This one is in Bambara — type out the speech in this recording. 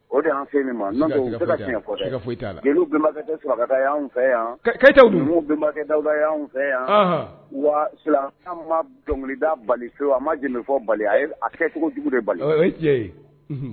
O de y' fɛ min mafɔ jeliwbakɛ sabata fɛ yan numubakɛda fɛ yan wa an ma dɔnkilida bali a ma jɛfɔ bali a a kɛcogo jugu de bali